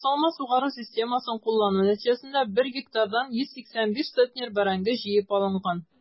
Ясалма сугару системасын куллану нәтиҗәсендә 1 гектардан 185 центнер бәрәңге җыеп алынган.